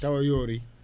tawa yoori